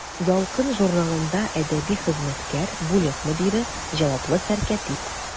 «ялкын» журналында әдәби хезмәткәр, бүлек мөдире, җаваплы сәркәтиб.